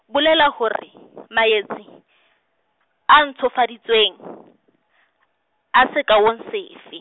bolela hore, maetsi, a ntshofaditsweng , a sekaong sefe?